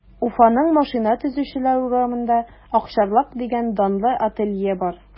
Уфаның Машина төзүчеләр урамында “Акчарлак” дигән данлы ателье бар.